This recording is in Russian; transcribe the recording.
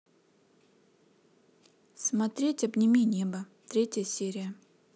смотреть обними небо третья серия